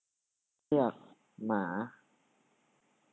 เรียกหมา